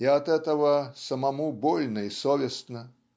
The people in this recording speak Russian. и от этого самому больно и совестно